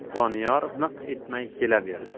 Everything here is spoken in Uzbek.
doniyor miq etmay kelaverdi